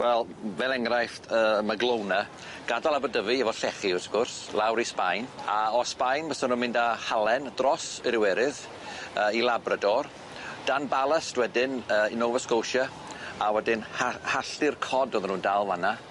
Wel fel enghraifft y Maglona gadal Aberdyfi efo llechi wrth gwrs lawr i Sbaen a o Sbaen bysan nw'n mynd â Halen dros yr Iwerydd yy i Labrador dan Ballast wedyn yy i Nova Scotia a wedyn ha- halltu'r cod oddwn nw'n dal fan 'na.